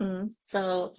Mm, fel...